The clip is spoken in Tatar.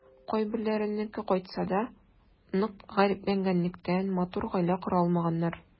Кайберләренеке кайтса да, нык гарипләнгәнлектән, матур гаилә кора алмаганнар.